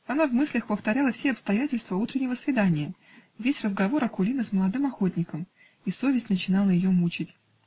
Она в мыслях повторяла все обстоятельства утреннего свидания, весь разговор Акулины с молодым охотником, и совесть начинала ее мучить.